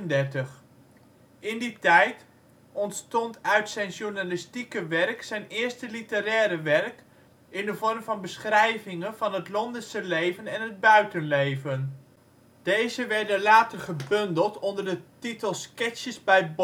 1835). In die tijd ontstond uit zijn journalistieke werk zijn eerste literaire werk in de vorm van beschrijvingen van het Londense leven en het buitenleven. Deze werden later gebundeld onder de titel Sketches by Boz